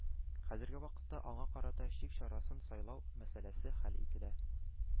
Хәзерге вакытта аңа карата чик чарасын сайлау мәсьәләсе хәл ителә